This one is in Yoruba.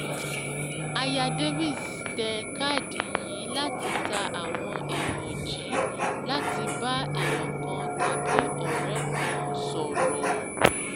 Aya Davis te káàdì yìí láti ta àwọn èèyàn jí láti bá èèyàn kan tàbí ọ̀rẹ́ kan sọ̀rọ̀.”